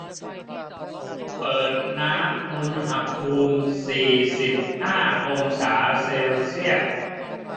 เปิดน้ำอุณหภูมิสี่สิบห้าองศาเซลเซียส